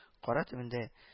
– кары төбендә